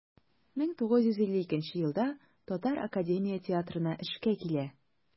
1952 елда татар академия театрына эшкә килә.